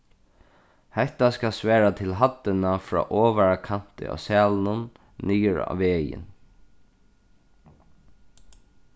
hetta skal svara til hæddina frá ovara kanti á saðlinum niður á vegin